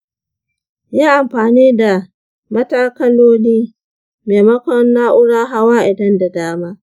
yi amfani da matakaloli maimakon na'urar hawa idan da dama.